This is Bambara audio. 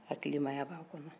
hakilimaya bɛ a kɔnɔ